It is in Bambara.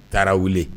Tarawele